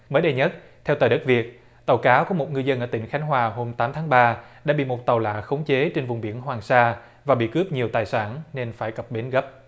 mới đây nhất theo tờ đất việt tàu cá của một người dân ở tỉnh khánh hòa hôm tám tháng ba đã bị một tàu lạ khống chế trên vùng biển hoàng sa và bị cướp nhiều tài sản nên phải cập bến gấp